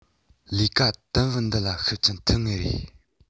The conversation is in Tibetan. ལས ཀ དུམ བུ འདི ལ ཤུགས རྐྱེན ཐེབས ངེས རེད